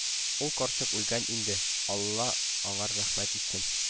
Ул карчык үлгән инде; алла аңар рәхмәт итсен